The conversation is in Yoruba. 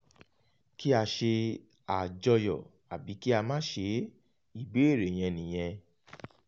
Kí a ṣe àjọyọ̀ àbí kí á máà ṣe é, ìbéèrè yen ni ìyẹn.